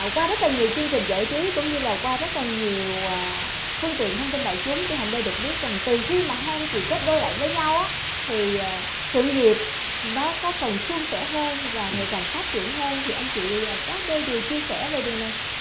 qua rất là nhiều chương trình giải trí cũng như là qua rất là nhiều phương tiện thông tin đại chúng thì hồng đây được biết rằng từ khi mà hai anh chị kết đôi lại với nhau á thì sự nghiệp đó có phần suôn sẻ hơn và ngày càng phát triển hơn thì anh chị có đôi điều chia sẻ về điều này